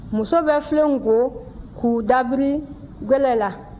muso bɛ filenw ko k'u dabiri gɛlɛ la